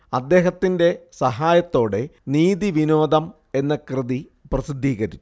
അദ്ദേഹത്തിന്റെ സഹായത്തോടെ നീതിവിനോദം എന്ന കൃതി പ്രസിദ്ധീകരിച്ചു